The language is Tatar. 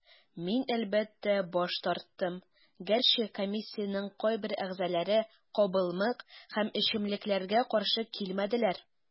Мин, әлбәттә, баш тарттым, гәрчә комиссиянең кайбер әгъзаләре кабымлык һәм эчемлекләргә каршы килмәделәр.